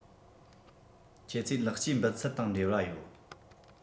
ཁྱེད ཚོའི ལེགས སྐྱེས འབུལ ཚད དང འབྲེལ བ ཡོད